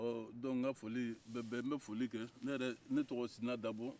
bon n ka foli bɛ bɛɛ ye ne yɛrɛ tɔgɔ ye sina dabo